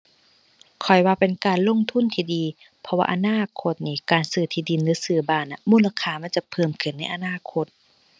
ข้อยว่าเป็นการลงทุนที่ดี เพราะว่าอนาคตนี้ การซื้อที่ดินหรือซื้อบ้านน่ะ มูลค่ามันจะเพิ่มขึ้นในอนาคต